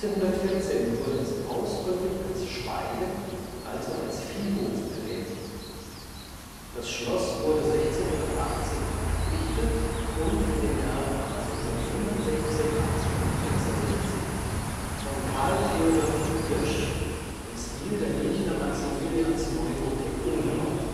1514 wurde es ausdrücklich als Schwaige, also als Viehhof erwähnt. Das Schloss wurde 1680 errichtet und 1865 / 1866 von Carl Theodor von Yrsch (1832 – 1899) im Stil der Münchner Maximilians-Neugotik umgebaut